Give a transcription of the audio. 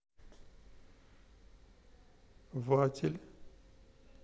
ватель